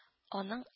Аның